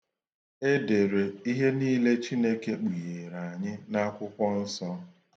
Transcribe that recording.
E dere ihe niile Chineke kpugheere anyị n'akwụkwọ nsọ.